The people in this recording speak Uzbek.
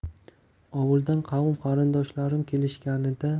ovuldan qavm qarindoshlarim kelishganida